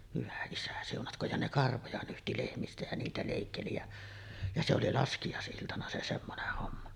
hyvä isä siunatkoon ja ne karvoja nyhti lehmistä ja niitä leikkeli ja ja se oli laskiaisiltana se semmoinen homma